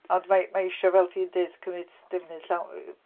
Ond mae- mae isio, fel ti'n deud, cymryd defnydd llawn...